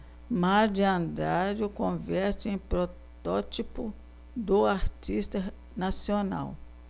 mário de andrade o converte em protótipo do artista nacional